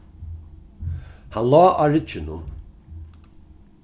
hann lá á rygginum